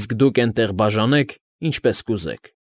իսկ դուք էնտեղ բաժանեք, ինչպես կուզեք։